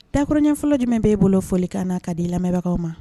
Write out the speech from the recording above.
Dakin fɔlɔ jumɛn b'e bolo foli kan na ka d di lamɛnbagaw ma